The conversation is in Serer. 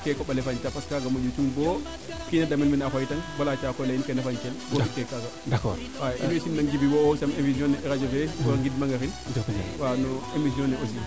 kee koɓale fañta parce que kaaga moƴu cung boo o kiina damel mene a xooyit meen bala caag koy o leyin keena fañteel bo fike kaaga d' accord in way sim nang Djiby wo'o emission ne Radio fee so ngid mang axin no emission ne aussi